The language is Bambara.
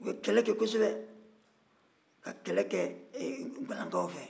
u ye kɛlɛ kɛ kosɛbɛ ka kɛlɛ kɛ guwalakaw fɛ